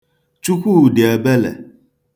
Chukwuudị̀èbelè